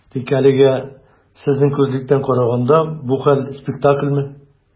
Тик әлегә, сезнең күзлектән караганда, бу хәл - спектакльмы?